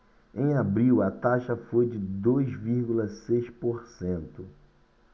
em abril a taxa foi de dois vírgula seis por cento